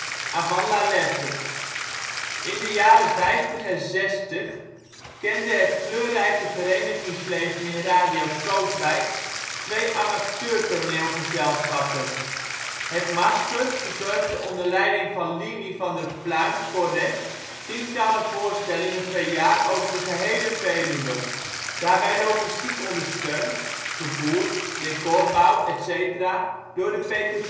avant la lettre. Gebouw A, buiten het dorp Radio Kootwijk, tussen de bossen. In de jaren vijftig en zestig kende het kleurrijke verenigingsleven in Radio Kootwijk twee amateurtoneelgezelschappen. Het Masker verzorgde onder leiding van Linie van der Pluijm-Coret tientallen voorstellingen per jaar over de gehele Veluwe, daarbij logistiek ondersteund (vervoer, decorbouw etc.) door de PTT